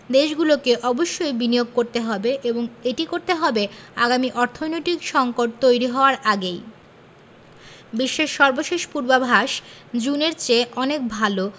দেশগুলোকে অবশ্যই বিনিয়োগ করতে হবে এবং এটি করতে হবে আগামী অর্থনৈতিক সংকট তৈরি হওয়ার আগেই বিশ্বের সর্বশেষ পূর্বাভাস জুনের চেয়ে অনেক ভালো